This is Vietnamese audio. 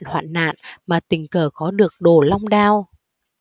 hoạn nạn mà tình cờ có được đồ long đao